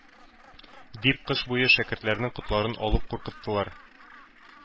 Дип кыш буе шәкертләрнең котларын алып куркыттылар.